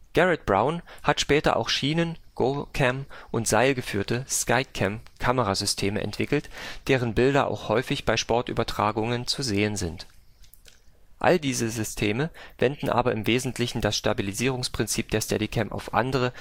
Garrett Brown hat später auch schienen - (GoCam) und seilgeführte (SkyCam) Kamerasysteme entwickelt, deren Bilder auch häufig bei Sportübertragungen zu sehen sind. All diese Systeme wenden aber im Wesentlichen das Stabilisierungsprinzip der Steadicam auf andere